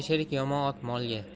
sherik yomon ot molga